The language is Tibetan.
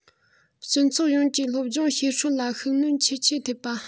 སྤྱི ཚོགས ཡོངས ཀྱི སློབ སྦྱོང བྱེད སྲོལ ལ ཤུགས སྣོན ཆེས ཆེན ཐེབས པ